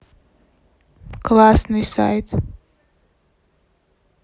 классный сайт